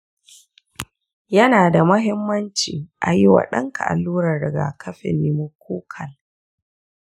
yana da muhimmanci a yi wa ɗanka allurar rigakafin pneumococcal.